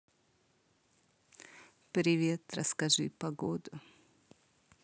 привет расскажи погоду